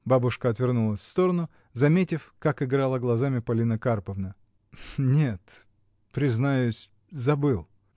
Бабушка отвернулась в сторону, заметив, как играла глазами Полина Карповна. — Нет. признаюсь. забыл.